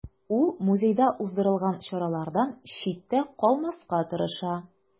Ул музейда уздырылган чаралардан читтә калмаска тырыша.